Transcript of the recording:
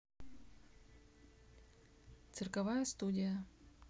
цирковая студия